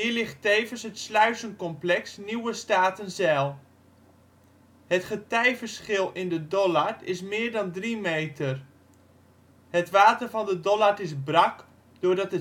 ligt tevens het sluizencomplex Nieuwe Statenzijl. Het getijverschil in de Dollard is meer dan drie meter. Het water van de Dollard is brak doordat